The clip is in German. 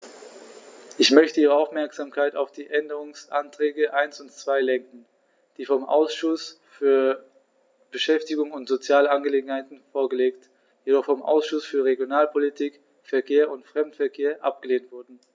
Ich möchte Ihre Aufmerksamkeit auf die Änderungsanträge 1 und 2 lenken, die vom Ausschuss für Beschäftigung und soziale Angelegenheiten vorgelegt, jedoch vom Ausschuss für Regionalpolitik, Verkehr und Fremdenverkehr abgelehnt wurden.